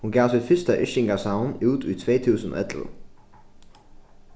hon gav sítt fyrsta yrkingasavn út í tvey túsund og ellivu